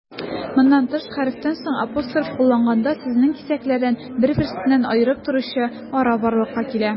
Моннан тыш, хәрефтән соң апостроф кулланганда, сүзнең кисәкләрен бер-берсеннән аерып торучы ара барлыкка килә.